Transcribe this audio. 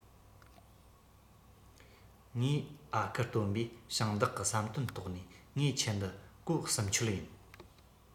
ཨ ཁུ སྟོན པས ཞིང བདག གི བསམ དོན རྟོགས ནས ངའི ཁྱི འདི གོ གསུམ ཆོད ཡིན